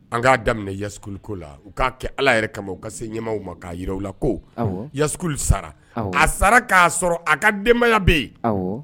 An k'a daminɛ yaskululi la u k'a kɛ ala yɛrɛ kama u ka se ɲɛmaw ma kaa jiraw la ko ya sara a sara k' sɔrɔ a ka denbaya bɛ yen